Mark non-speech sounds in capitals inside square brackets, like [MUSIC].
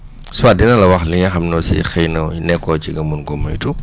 [SMACKS LIPS] soit dina la wax li nga xam ne aussi xëy na nekkoo ci nga mun ko moytu